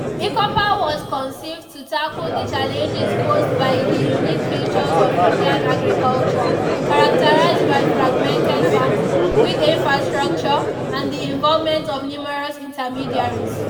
e Choupal was conceived to tackle the challenges posed by the unique features of Indian agriculture, characterized by fragmented farms, weak infrastructure and the involvement of numerous intermediaries…